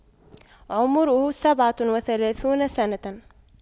عمره سبعة وثلاثون سنة